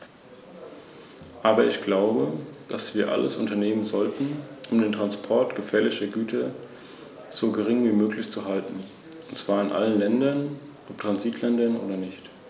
Wir alle bedauern, dass das Europäische Komitee für Normung nicht in der Lage gewesen ist, in der geforderten Zeit die notwendige Vorschriftenänderung für eine entsprechende Harmonisierung im Geltungsbereich der Europäischen Union durchzuführen.